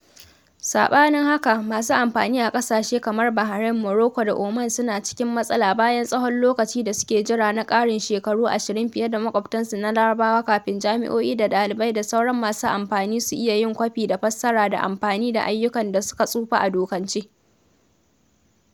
Saɓanin haka, masu amfani a ƙasashe kamar Bahrain, Morocco, da Oman suna cikin matsala bayan tsawon lokacin da suke jira na ƙarin shekaru 20 fiye da maƙwabtansu na Larabawa kafin jami’o’i da ɗalibai da sauran masu amfani su iya yin kwafi da fassara da amfani da ayyukan da suka tsufa a dokance.